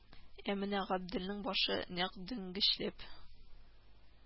Ә менә Габделнең башы, нәкъ дөңгечләп